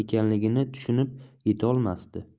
nima ekanligini tushunib yetolmasdi